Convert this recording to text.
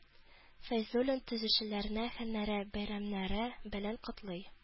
Фәйзуллин төзүчеләрне һөнәри бәйрәмнәре белән котлый